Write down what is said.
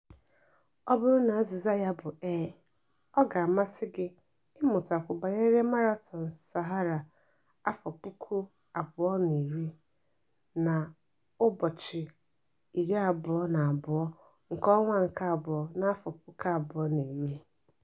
Ọ bụrụ na azịza ya bụ 'ee', ọ ga-amasị gị ịmụtakwu banyere Marathon Sahara 2010 na February 22, 2010.